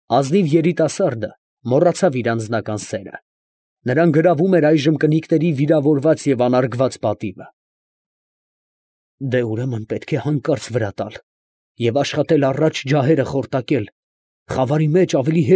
Ազնիվ երիտասարդը մոռացավ իր անձնական սերը, նրան գրավում էր այժմ կնիկների վիրավորված և անարգված պատիվը։ ֊ Պետք է հանկարծ վրա տալ, ֊ ասաց Դալի֊Բաբան, ֊ և աշխատել առաջ ջահերը խորտակել. խավարի մեջ ավելի։